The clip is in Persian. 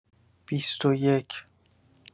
یست و یک.